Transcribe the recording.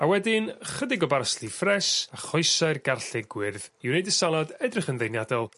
A wedyn ychydig o barsli ffres a choese'r garllug gwyrdd i wneud y salad edrych yn ddeniadol,